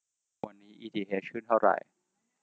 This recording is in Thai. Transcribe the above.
วันนี้อีทีเฮชขึ้นเท่าไหร่